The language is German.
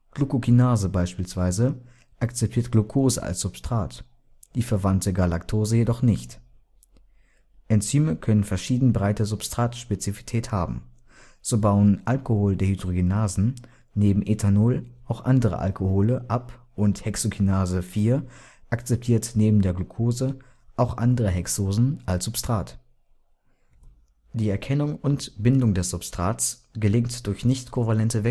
Glucokinase beispielsweise akzeptiert Glucose als Substrat, die verwandte Galactose jedoch nicht. Enzyme können verschieden breite Substratspezifität haben, so bauen Alkohol-Dehydrogenasen neben Ethanol auch andere Alkohole ab und Hexokinase IV akzeptiert neben der Glucose auch andere Hexosen als Substrat. Die Erkennung und Bindung des Substrats gelingt durch nicht-kovalente